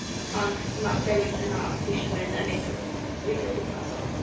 Ond ma'r dewis yna os ti isio mynd, a wneith o gweithio o gwmpas o.